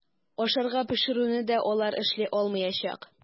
Ашарга пешерүне дә алар эшли алмаячак.